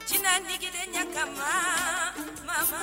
Tiɲɛ ni kelen ɲɛ ka ma